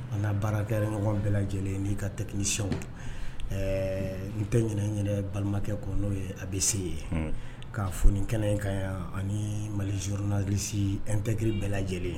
An baarakɛ ɲɔgɔn bɛɛ lajɛlen n'i ka tɛyɛn ɛɛ n tɛ ɲ yɛrɛ balimakɛ ko n'o ye a bɛ se ye kaa foni kɛnɛ in ka yan ani mali zurunlalisi n tɛgkiri bɛɛ lajɛlen